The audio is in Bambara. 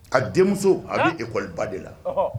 A denmuso,. Han. A bɛ école ba de la. Ɔhɔɔ !